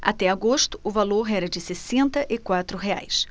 até agosto o valor era de sessenta e quatro reais